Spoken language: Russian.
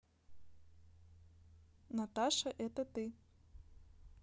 наташа это ты